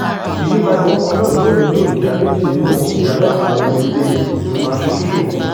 Ìyípadà orúkọ náà yóò nílò ìdá méjì nínú ìdá mẹ́ta àwọn ọmọ ilé ìgbìmọ aṣojú-ṣòfin.